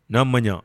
N'a man